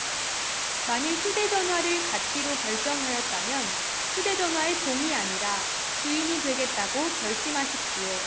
만일 휴대 전화를 갖기로 결정하였다면 휴대 전화의 종이 아니라 주인이 되겠다고 결심하십시오